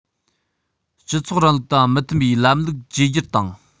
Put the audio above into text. སྤྱི ཚོགས རིང ལུགས དང མི མཐུན པའི ལམ ལུགས བཅོས སྒྱུར དང